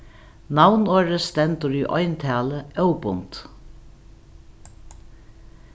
navnorðið stendur í eintali óbundið